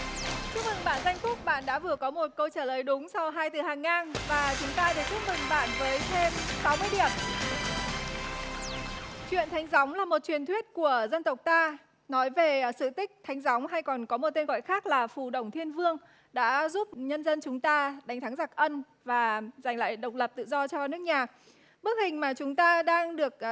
chúc mừng bạn danh phúc bạn đã vừa có một câu trả lời đúng sau hai từ hàng ngang và chúng ta được chúc mừng bạn với thêm sáu mươi điểm chuyện thánh gióng là một truyền thuyết của dân tộc ta nói về sự tích thánh gióng hay còn có một tên gọi khác là phù đổng thiên vương đã giúp nhân dân chúng ta đánh thắng giặc ân và giành lại độc lập tự do cho nước nhà bức hình mà chúng ta đang được